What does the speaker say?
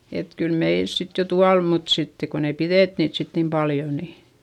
että kyllä meillä sitten jo tuolla mutta sitten kun ei pidetty niitä sitten niin paljon niin